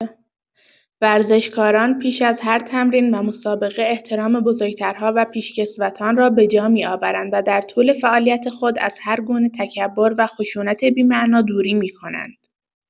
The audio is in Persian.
ورزشکاران پیش از هر تمرین و مسابقه احترام بزرگ‌ترها و پیشکسوتان را به‌جا می‌آورند و در طول فعالیت خود از هرگونه تکبر و خشونت بی‌معنا دوری می‌کنند.